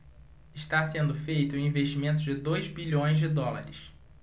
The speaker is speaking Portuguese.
está sendo feito um investimento de dois bilhões de dólares